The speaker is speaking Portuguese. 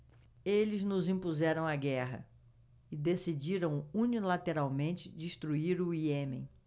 eles nos impuseram a guerra e decidiram unilateralmente destruir o iêmen